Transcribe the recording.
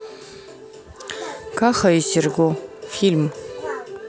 каха и серго фильм